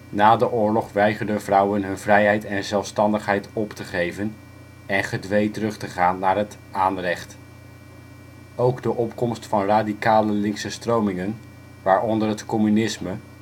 Na de oorlog weigerden vrouwen hun vrijheid en zelfstandigheid op te geven en gedwee terug te gaan naar het " aanrecht ". Ook de opkomst van radicale linkse stromingen waaronder het communisme